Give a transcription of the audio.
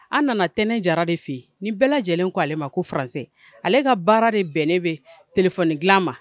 An nana tɛnɛn jara de fɛ yen nin bɛɛ lajɛlen ko' ale ma ko fa ale ka baara de bɛnnen bɛ tf dilan ma